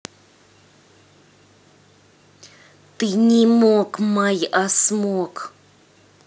ты не мог майасмок